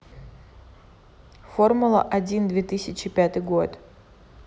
формула один две тысячи пятый год